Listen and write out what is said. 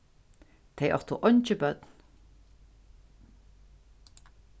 tey áttu eingin børn